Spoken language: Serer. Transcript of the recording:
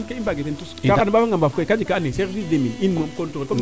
i kay i mbaange teen tus caaxana mbafa nga mbaaf koy ka jeg kaa ando naye service des mines in moom controle